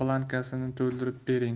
blankasini to'ldirib bering